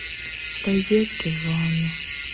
розетки в ванну